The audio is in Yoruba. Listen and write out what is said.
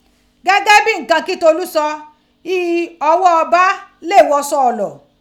Gẹ́gẹ́ bii ǹkan ki Tolú sọ, ghi ọghọ́ Ọba le e ghọ sọ̀ọ̀lọ̀.